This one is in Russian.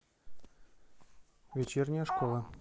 вечерняя школа